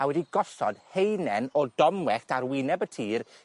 A wedi gosod haenen o domwellt ar wyneb y tir